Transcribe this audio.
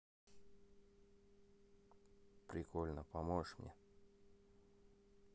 прикольно поможешь мне